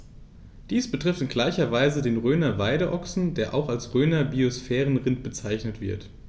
Dies betrifft in gleicher Weise den Rhöner Weideochsen, der auch als Rhöner Biosphärenrind bezeichnet wird.